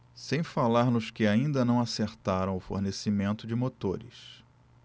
sem falar nos que ainda não acertaram o fornecimento de motores